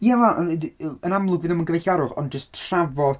Ie na y- yn amlwg fydd ddim yn gyfeillgarwch, ond jyst trafod...